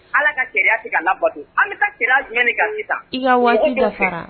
Ala ka sariya tɛ ka labato, an bɛ taa sariya jumɛn kan sisan? I ka waati dafala.